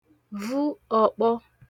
vụ ọ̀kpọ